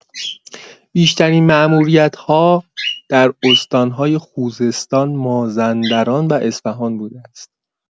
بیشترین ماموریت‌ها در استان‌های خوزستان، مازندران و اصفهان بوده است.